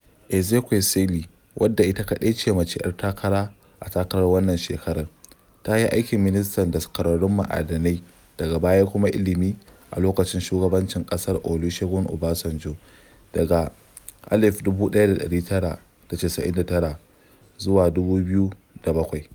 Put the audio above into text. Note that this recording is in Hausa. Ezekwesili, wadda ita kaɗai ce mace 'yar takara a takarar wannan shekarar, ta yi aikin ministar daskararrun ma'adanai daga baya kuma ilimi a lokacin shugabancin ƙasar Olusegun Obasanjo daga 1999 zuwa 2007.